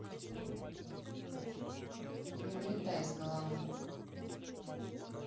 не вылетай из головы